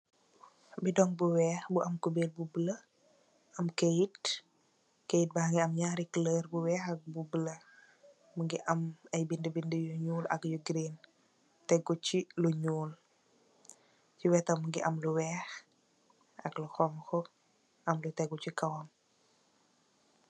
Bidong bu weex bu am cuberr bu bulo . Am keyit, keyit bangi am nyarri copor bu weex ak bu bulo, mungi am binda binda bu ñuul ak yu giriin tegu ci lu ñuul. Ci wetam mungi am lu weex am lu tegu ci kawam.